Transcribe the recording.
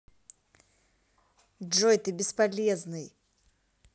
джой ты бесполезный